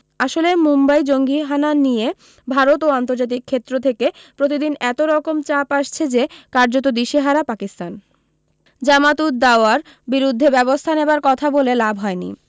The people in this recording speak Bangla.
আসলে মুম্বাই জঙ্গিহানা নিয়ে ভারত ও আন্তর্জাতিক ক্ষেত্র থেকে প্রতিদিন এতরকম চাপ আসছে যে কার্যত দিশেহারা পাকিস্তান জামাত উদ দাওয়ার বিরুদ্ধে ব্যবস্থা নেবার কথা বলে লাভ হয়নি